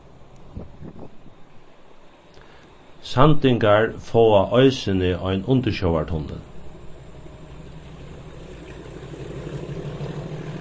sandoyingar fáa eisini ein undirsjóvartunnil